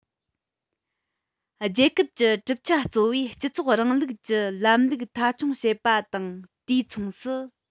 རྒྱལ ཁབ ཀྱི གྲུབ ཆ གཙོ བོས སྤྱི ཚོགས རིང ལུགས ཀྱི ལམ ལུགས མཐའ འཁྱོངས བྱེད པ དང དུས མཚུངས སུ